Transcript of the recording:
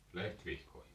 lehtivihkoja